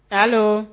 Allo